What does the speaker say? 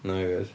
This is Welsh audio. Nag oedd.